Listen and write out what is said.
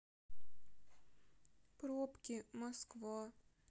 пробки москва